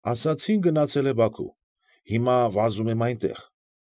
Ասացին՝ գնացել է Բաքու։ Հիմա վազում եմ այնտեղ։